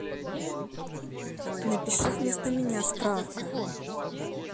напиши вместо меня справка